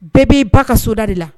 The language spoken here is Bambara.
Bɛɛ b'i ba ka soda de la